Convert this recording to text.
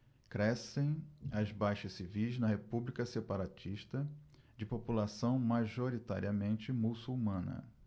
crescem as baixas civis na república separatista de população majoritariamente muçulmana